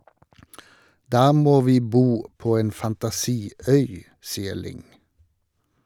Da må vi bo på en fantasi- øy , sier Ling.